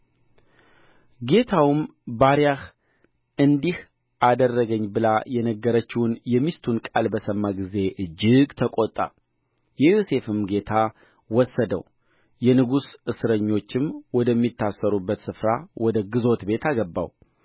የዮሴፍም ጌታ ወሰደው የንጉሡ እስረኞችም ወደሚታሰሩበት ስፍራ ወደ ግዞት ቤት አገባው ከዚያም በግዞት ነበረ